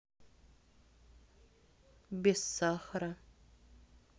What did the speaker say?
без сахара